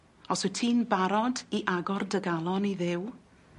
Os wyt ti'n barod i agor dy galon i Dduw,